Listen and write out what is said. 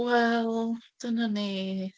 Wel, dyna ni.